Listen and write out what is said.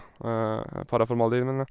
Paraformaldehyd, mener jeg.